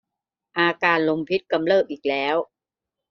อาการลมพิษกำเริบอีกแล้ว